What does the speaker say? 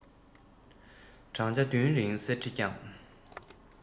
བགྲང བྱ བདུན རིང གསེར ཁྲི བསྐྱངས